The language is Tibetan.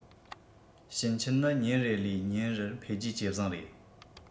ཕྱིན ཆད ནི ཉིན རེ ལས ཉིན རེར འཕེལ རྒྱས ཇེ བཟང རེད